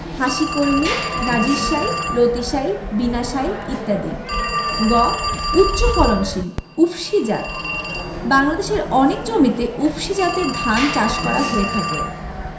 হাসিকলমি নাজির শাইল লতিশাইল বিনাশাইল ইত্যাদি গ উচ্চফলনশীল উফশী জাতঃ বাংলাদেশের অনেক জমিতে উফশী ধানের চাষ করা হয়ে থাকে